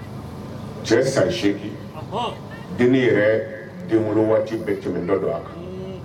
Cɛ seegin den yɛrɛ den waati bɛɛ tɛmɛ dɔ don a kan